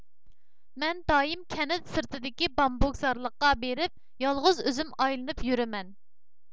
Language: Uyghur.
مەن دائىم كەنت سىرتىدىكى بامبۇكزارلىققا بېرىپ يالغۇز ئۆزۈم ئايلىنىپ يۈرىمەن